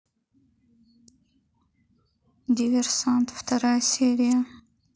диверсант вторая серия